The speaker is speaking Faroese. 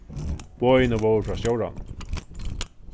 boðini vóru frá stjóranum